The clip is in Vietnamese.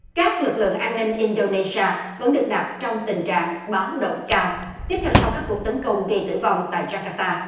các lực lượng an ninh in đô nê si a vẫn được đặt trong tình trạng báo động cao tiếp theo sau các cuộc tấn công gây tử vong tại gia ca ta